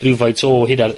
rywfaint o hynna...